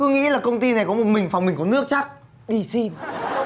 cứ nghĩ là công ty này có một mình phòng mình có nước chắc đi xin